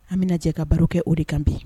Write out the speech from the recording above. An bɛna jɛ ka baro kɛ o de kan bi